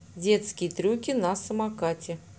детские трюки на самокате